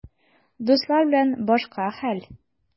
Дуслар белән башка хәл.